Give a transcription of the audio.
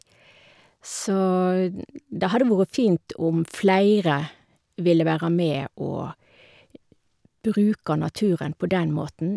Så det hadde vore fint om flere ville være med å bruke naturen på den måten.